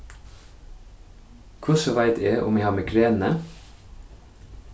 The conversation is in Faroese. hvussu veit eg um eg havi migrenu